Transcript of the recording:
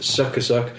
Suck a suck.